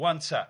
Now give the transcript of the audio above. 'Ŵan ta.